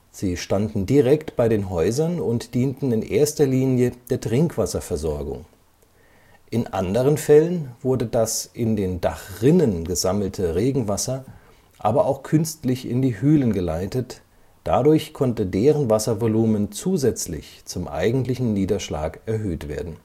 sie standen direkt bei den Häusern und dienten in erster Linie der Trinkwasserversorgung. In anderen Fällen wurde das in den Dachrinnen gesammelte Regenwasser aber auch künstlich in die Hülen geleitet, dadurch konnte deren Wasservolumen zusätzlich zum eigentlichen Niederschlag erhöht werden